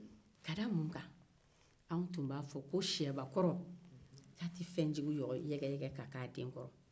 ka da mun kan anw tun b'a fɔ ko sɛbakɔrɔ tɛ fɛnjugu yɛgɛyɛgɛ ka bi la den kɔrɔ